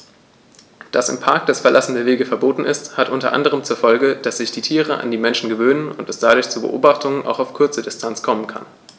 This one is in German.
Dass im Park das Verlassen der Wege verboten ist, hat unter anderem zur Folge, dass sich die Tiere an die Menschen gewöhnen und es dadurch zu Beobachtungen auch auf kurze Distanz kommen kann.